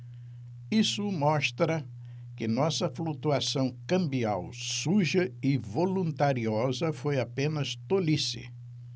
isso mostra que nossa flutuação cambial suja e voluntariosa foi apenas tolice